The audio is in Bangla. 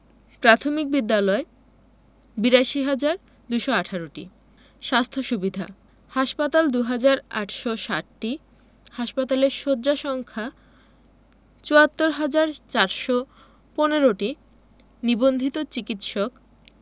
প্রাথমিক বিদ্যালয় ৮২হাজার ২১৮টি স্বাস্থ্য সুবিধাঃ হাসপাতাল ২হাজার ৮৬০টি হাসপাতালের শয্যা সংখ্যা ৭৪হাজার ৪১৫টি নিবন্ধিত চিকিৎসক